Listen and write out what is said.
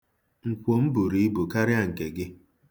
Nkwo m buru ibu karịa nke gị.